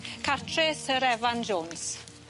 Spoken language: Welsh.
...cartre syr Evan Jones.